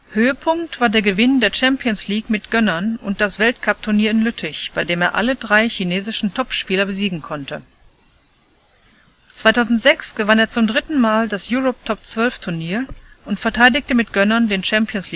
Höhepunkt war der Gewinn der Champions League mit Gönnern und das Weltcupturnier in Lüttich, bei dem er alle drei chinesischen Topspieler besiegen konnte. 2006 gewann er zum dritten Mal das Europe TOP-12-Turnier, und verteidigte mit Gönnern den Champions